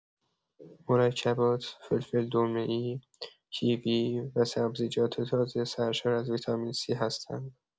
مرکبات، فلفل‌دلمه‌ای، کیوی و سبزیجات تازه سرشار از ویتامین سی هستند.